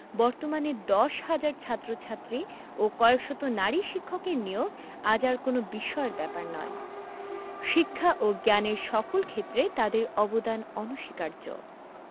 বর্তমানে ১০ হাজার ছাত্রছাত্রী ও কয়েক শত নারী শিক্ষকের নিয়োগ আজ আর কোনো বিস্ময়ের ব্যাপার নয় শিক্ষা ও জ্ঞানের সকল ক্ষেত্রে তাদের অবদান অনস্বীকার্য